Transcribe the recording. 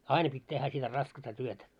aina piti tehdä sitä raskasta työtä